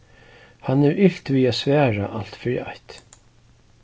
hann hevur ilt við at svara alt fyri eitt